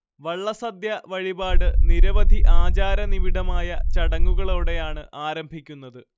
വള്ളസദ്യ വഴിപാട് നിരവധി ആചാര നിബിഡമായ ചടങ്ങുകളോടെയാണ് ആരംഭിക്കുന്നത്